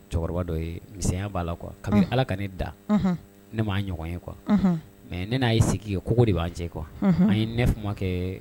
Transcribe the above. Cɛkɔrɔba dɔ ye misɛnya b'a la quoi kabini Ala ka ne dan ne m'a nɔgɔn ye quoi mais ne n'a ye sigi kɛ kogo de b'an cɛ quoi an ye 9 mois kɛ